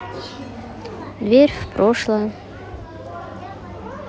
дверь в прошлое